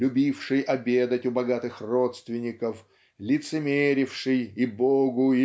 любивший обедать у богатых родственников лицемеривший и Богу